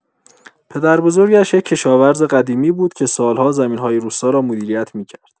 پدربزرگش یک کشاورز قدیمی بود که سال‌ها زمین‌های روستا را مدیریت می‌کرد.